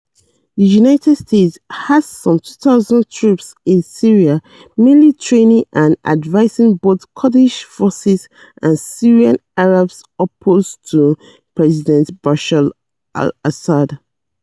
The United States has some 2,000 troops in Syria, mainly training and advising both Kurdish forces and Syrian Arabs opposed to President Bashar al-Assad.